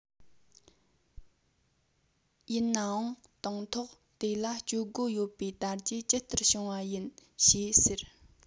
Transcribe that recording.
ཡིན ནའང དང ཐོག དེ ལ སྤྱོད སྒོ ཡོད པའི དར རྒྱས ཇི ལྟར བྱུང པ ཡིན ཞེས ཟེར